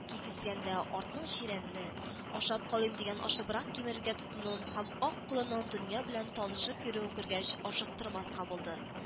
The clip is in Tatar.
Кигезгәндә атның чирәмне, ашап калыйм дигәндәй ашыгыбрак кимерергә тотынуын һәм ак колынның дөнья белән танышып йөрүен күргәч, ашыктырмаска булды